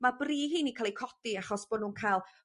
ma' bri rheini cael eu codi achos bo' nhw'n ca'l